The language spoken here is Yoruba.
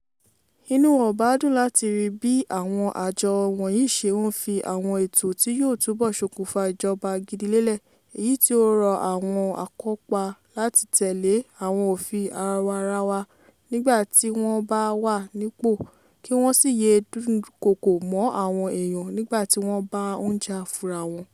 Inú wa ò bá dùn láti rí bí àwọn àjọ́ wọnyìí ṣe ń fi àwọn ètò tí yòó túbọ̀ ṣokùnfà ìjọba gidi lélẹ̀, èyí tí ó rọ àwọn akọpa láti tẹ̀lé àwọn ofin awarawa nígbà tí wọ́n bá wà nípò kí wọ́n sì yée dúnkokò mọ́ àwọn eèyàn nígbà tí wọ́n bá ń jà fúnra wọn.